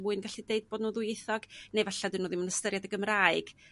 mwyn gallu deud bo' n'w'n ddwyieithog? Neu 'falla' dydyn n'w ddim yn ystyried y Gymraeg